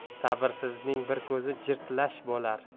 sabrsizning bir ko'zi jirtlash bo'lar